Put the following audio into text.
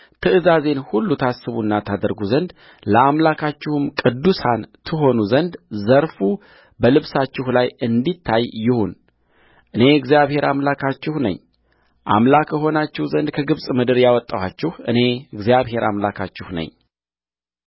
ትእዛዜን ሁሉ ታስቡና ታደርጉ ዘንድ ለአምላካችሁም ቅዱሳን ትሆኑ ዘንድ ዘርፉ በልብሳችሁ ላይ እንዲታይ ይሁንእኔ እግዚአብሔር አምላካችሁ ነኝ አምላክ እሆናችሁ ዘንድ ከግብፅ ምድር ያወጣኋችሁ እኔ እግዚአብሔር አምላካችሁ ነኝ